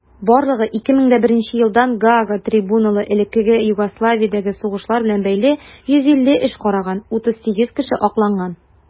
Барлыгы 2001 елдан Гаага трибуналы элеккеге Югославиядәге сугышлар белән бәйле 150 эш караган; 38 кеше акланган.